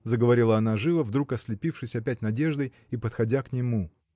— заговорила она живо, вдруг ослепившись опять надеждой и подходя к нему.